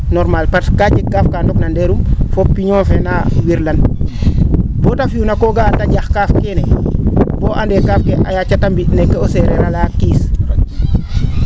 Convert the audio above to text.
normal parce que kaa jeg kaa kaa ndok na ndeerum fo piño fee naa wirlan boo te fi'uuna koo ga'aa ta ?ax kaaf keene bo ande kaaf ke a yaaca ta mbi' ne kee o seereer a layaa kiis